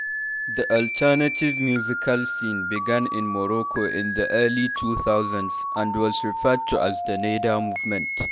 The alternative musical scene began in Morocco in the early 2000s and was referred to as the Nayda movement (“nayda” being a neologism meaning “waking up”, used as an adjective to describe a festive atmosphere).